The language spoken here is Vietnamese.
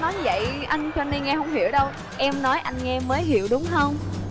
nói như vậy anh cho ni nghe không hiểu đâu em nói anh nghe mới hiểu đúng không